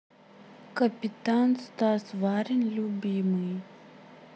капитан стас варин любимый